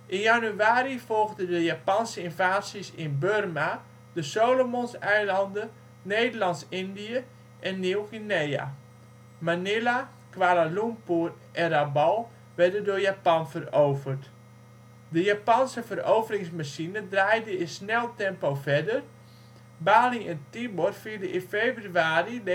januari volgden de Japanse invasies in Birma, de Salomonseilanden, Nederlands-Indië en Nieuw-Guinea. Manilla, Kuala Lumpur en Rabaul werden door Japan veroverd. De Japanse veroveringsmachine draaide in snel tempo verder: Bali en Timor vielen in februari 1942